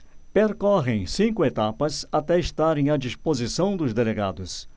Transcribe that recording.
percorrem cinco etapas até estarem à disposição dos delegados